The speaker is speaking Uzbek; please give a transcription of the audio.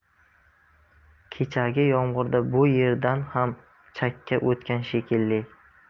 kechagi yomg'irda bu yerdan ham chakka o'tgan shekilli